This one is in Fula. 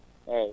eeyi